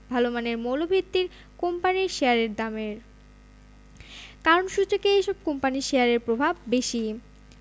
ভালো মানের মৌলভিত্তির কোম্পানির শেয়ারের দামের কারণ সূচকে এসব কোম্পানির শেয়ারের প্রভাব বেশি